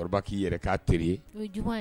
Cɛkɔrɔba bi yɛrɛ ka teri ye.